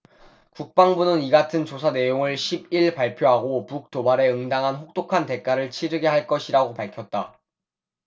국방부는 이 같은 조사내용을 십 일 발표하고 북 도발에 응당한 혹독한 대가를 치르게 할 것이라고 밝혔다